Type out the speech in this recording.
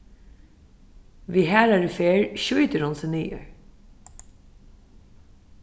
við harðari ferð skjýtur hon seg niður